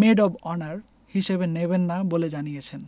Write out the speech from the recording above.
made of honour হিসেবে নেবেন না বলে জানিয়েছেন